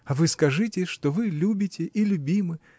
А вы скажите, что вы любите и любимы.